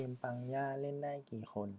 เกมปังย่าเล่นได้กี่คน